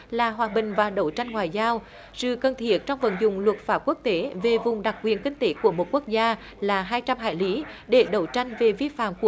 là hòa bình và đấu tranh ngoại giao sự cần thiết trong vận dụng luật pháp quốc tế về vùng đặc quyền kinh tế của một quốc gia là hai trăm hải lý để đấu tranh vì vi phạm của